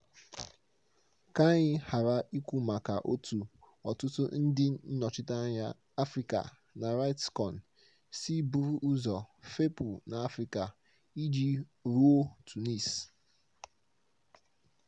Ka anyị ghara ikwu maka otu ọtụtụ ndị nnọchiteanya Afrịka na RightsCon si buru ụzọ fepụ n'Afrịka, iji ruo Tunis.